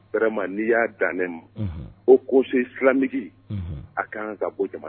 vraiment ni y'a dan ne ma , unhun,, haut conseil islamiqueo unhun,a ka kan ka bɔ jamana kɔnɔ